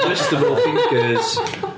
Adjustable fingers.